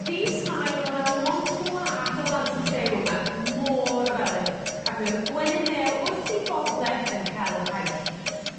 Fis Mai ro' 'na lond gwlad o ddant y llew yma môr o felyn ag mi o'dd gwenyn mêl wrth eu bodde yn hel y paill